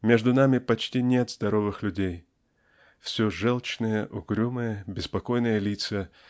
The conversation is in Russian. между нами почти нет здоровых людей -- все желчные угрюмые беспокойные лица